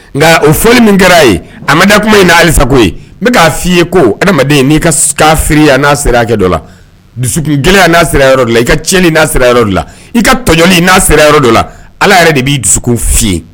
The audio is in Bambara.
Nka o fɔli min kɛr'a ye a ma da kuma in halisa koyi, n k'a fɔ i ye ko hadamaden n'i ka kafiriya n'a sera hakɛ dɔ la, dusukungɛlɛya n'a sera yɔrɔ la i ka tiɲɛni n'a sera yɔrɔ la i ka tɔɲɔni n'a sera yɔrɔ dɔ la Ala yɛrɛ de b'i dusukun fiye